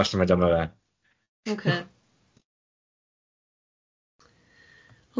Falle mae dyma fe.